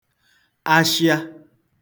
ashịa